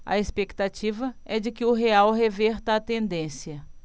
a expectativa é de que o real reverta a tendência